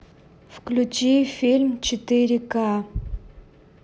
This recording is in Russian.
включи фильм четыре к